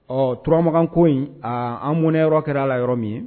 Ɔ turamaganko in , aa an mɔnɛ yɔrɔ kɛra a la yɔrɔ min ye